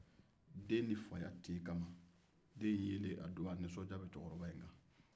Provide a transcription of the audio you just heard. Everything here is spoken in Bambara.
dennifaya tin kama den yelen nisɔndiya tun bɛ cɛkɔrɔba la